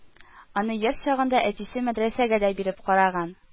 Аны яшь чагында әтисе мәдрәсәгә дә биреп караган